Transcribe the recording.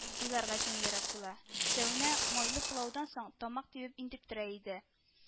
Уйларга җиңелрәк була, өстәвенә, майлы пылаудан соң тамак кибеп интектерә иде